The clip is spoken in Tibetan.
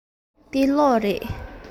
འདི གློག རེད